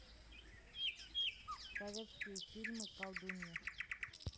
советские фильмы колдунья